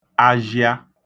azhịa